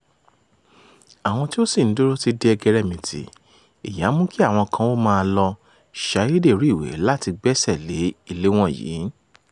Àwọn tí ó ṣì ń dúró ti di ẹgẹrẹmìtì, èyí á mú kí àwọn kan ó máa lọ (ṣe ayédèrú ìwé láti) gbẹ́sẹ̀ lé ilé wọ̀nyí.